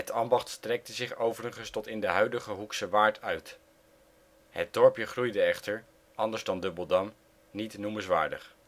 ambacht strekte zich overigens tot in de huidige Hoekse waard uit. Het dorpje groeide echter, anders dan Dubbeldam, niet noemenswaardig